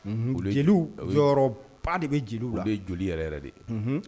Jeliw yɔrɔ pan de bɛ jeliw de ye joli yɛrɛ yɛrɛ de ye